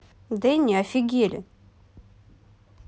danny офигели